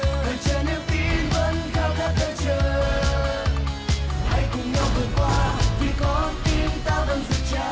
tuổi trẻ niềm tin vẫn khao khát đợi chờ hãy cùng nhau vượt quavì con tim ta vẫn